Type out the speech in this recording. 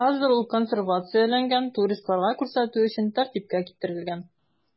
Хәзер ул консервацияләнгән, туристларга күрсәтү өчен тәртипкә китерелгән.